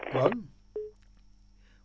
kon